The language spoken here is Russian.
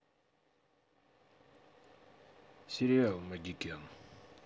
сериал магикян